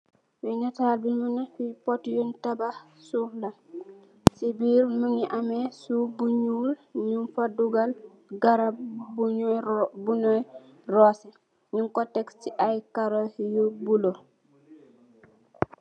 Li netal bi muneh fi pot nyun tabah suuf la si birr mogi ameh suuf bu nuul nyun fa dugal garab bo nduru bu nyu ruff nyun ko teck si ay karo yu bulo.